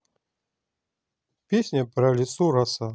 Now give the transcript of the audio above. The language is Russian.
песня по лицу роса